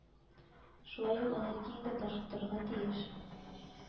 Шулай ук энергияң дә ташып торырга тиеш